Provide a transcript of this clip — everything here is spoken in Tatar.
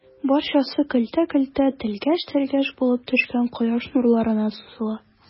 Барчасы көлтә-көлтә, тәлгәш-тәлгәш булып төшкән кояш нурларына сузыла.